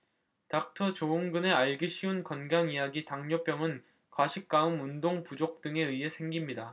닥터 조홍근의 알기 쉬운 건강이야기 당뇨병은 과식 과음 운동부족 등에 의해 생깁니다